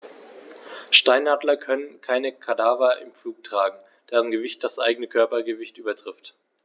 Steinadler können keine Kadaver im Flug tragen, deren Gewicht das eigene Körpergewicht übertrifft.